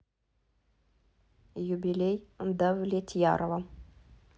юбилей давлетьярова